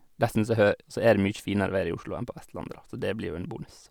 Dessuten så hø så er det mye finere være i Oslo enn på Vestlandet, da, så det blir jo en bonus.